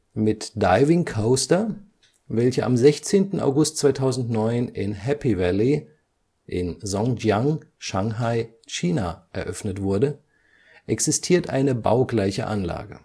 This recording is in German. Mit Diving Coaster, welche am 16. August 2009 in Happy Valley (Songjiang, Shanghai, China) eröffnet wurde, existiert eine baugleiche Anlage